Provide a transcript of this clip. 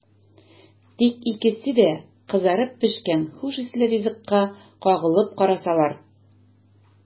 Тик икесе дә кызарып пешкән хуш исле ризыкка кагылып карасалар!